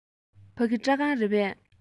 ཕ གི སྐྲ ཁང རེད པས